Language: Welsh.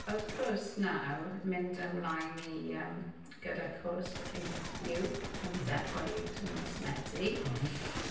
Wrth cwrs nawr mynd ymlaen i yym gyda cwrs... g- i uwch... yn dechrau uwch yn mis Medi.